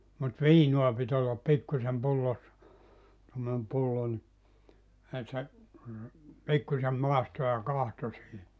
mutta viinaa piti olla pikkuisen pullossa tuommoinen pullo niin - se pikkuisen maistoi ja katsoi siihen